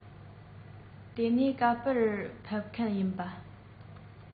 དེ ནས ག པར ཕེབས མཁན ཡིན པྰ